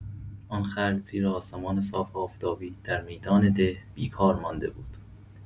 آن خر زیر آسمان صاف و آفتابی، در میدان ده، بیکار مانده بود.